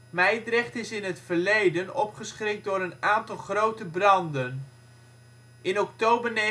Mijdrecht is in het verleden opgeschrikt door een aantal grote branden. In oktober 1989